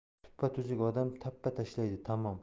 tuppatuzuk odam tappa tashlaydi tamom